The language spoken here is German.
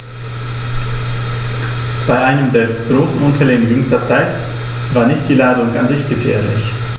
Bei einem der großen Unfälle in jüngster Zeit war nicht die Ladung an sich gefährlich.